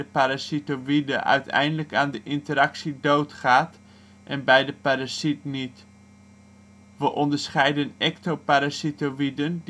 parasitoïde uiteindelijk aan de interactie doodgaat en bij de parasiet niet. We onderscheiden ectoparasitoïden